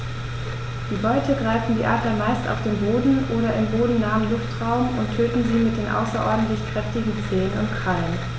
Die Beute greifen die Adler meist auf dem Boden oder im bodennahen Luftraum und töten sie mit den außerordentlich kräftigen Zehen und Krallen.